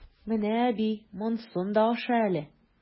Менә, әби, монсын да аша әле!